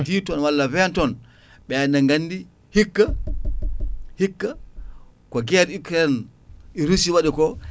10 tonnes walla 20 tonnes ɓenne gandi hikka hikka ko guerre Ukraine e Russie waɗiko